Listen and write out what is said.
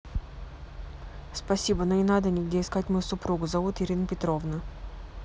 спасибо но не надо нигде искать мою супругу зовут ирина петровна